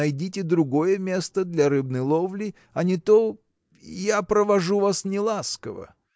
найдите другое место для рыбной ловли, а не то. я провожу вас неласково.